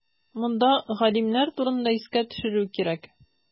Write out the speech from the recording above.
Монда галимнәр турында искә төшерү кирәк.